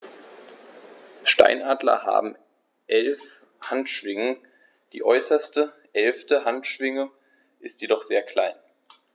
Steinadler haben 11 Handschwingen, die äußerste (11.) Handschwinge ist jedoch sehr klein.